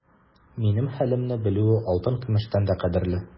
Минем хәлемне белүе алтын-көмештән дә кадерле.